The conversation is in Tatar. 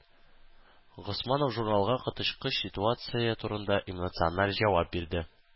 Госманов журналга коточкыч ситуация турында эмоциональ җавап бирде.